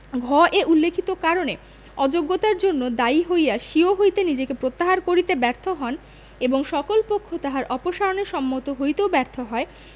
ঘ এ উল্লেখিত কারণে অযোগ্যতার জন্য দায়ী হইয়া স্বীয় হইতে নিজেকে প্রত্যাহার কারিতে ব্যর্থ হন এবং সকল পক্ষ তাহার অপসারণে সম্মত হইতেও ব্যর্থ হয়